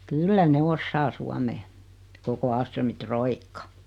kyllä ne osaa suomea koko Ahlströmin roikka